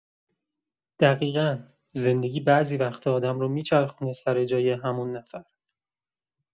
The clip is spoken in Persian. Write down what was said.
دقیقا، زندگی بعضی وقت‌ها آدم رو می‌چرخونه سر جای همون نفر.